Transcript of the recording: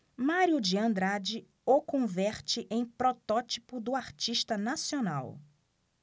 mário de andrade o converte em protótipo do artista nacional